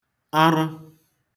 ọṙụ